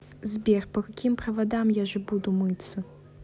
сбер по каким проводам я же буду мыться